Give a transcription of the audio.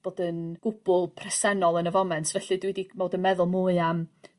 bod yn gwbwl presennol yn y foment felly dwi 'di mod yn meddwl mwy am